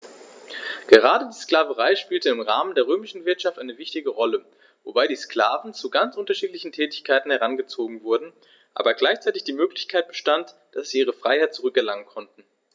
Gerade die Sklaverei spielte im Rahmen der römischen Wirtschaft eine wichtige Rolle, wobei die Sklaven zu ganz unterschiedlichen Tätigkeiten herangezogen wurden, aber gleichzeitig die Möglichkeit bestand, dass sie ihre Freiheit zurück erlangen konnten.